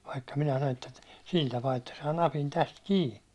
vaikka minä sanon teet sillä tapaa että saa napin tästä kiinni